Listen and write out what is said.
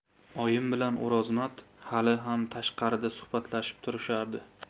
oyim bilan o'rozmat hali ham tashqarida suhbatlashib turishardi